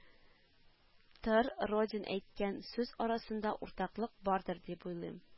Тор роден әйткән сүз арасында уртаклык бардыр дип уйлыйм